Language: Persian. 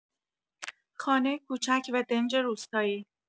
خانه کوچک و دنج روستایی